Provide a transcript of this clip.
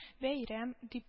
Бәйрәм, -дип